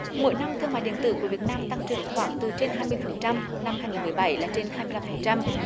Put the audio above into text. mỗi năm thương mại điện tử của việt nam tăng trưởng khoảng từ trên hai mươi phần trăm năm hai nghìn mười bảy là trên hai mươi lăm phần trăm